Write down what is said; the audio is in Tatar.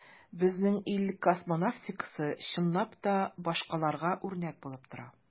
Безнең ил космонавтикасы, чынлап та, башкаларга үрнәк булып тора.